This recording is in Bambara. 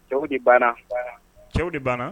Cɛw de banna cɛw de banna